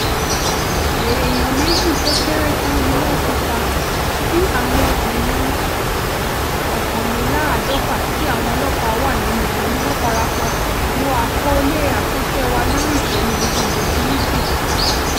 Èèyàn méjì ó kéré tàn ní wọ́n ti pa tí àwọn èèyàn 111 - tí àwọn ọlọ́pàá wà nínú wọn - ní wọ́n farapa (Wo àkọọ́lẹ̀ àkànṣe wa lórí Ìkọlù Gbogboogbò ti Egypt).